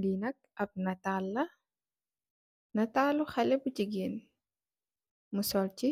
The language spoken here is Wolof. Bii nak ab nataal la, nataal lu xalé bu jigéen. Mu sol ci,